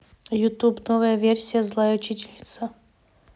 ютуб новая версия злая учительница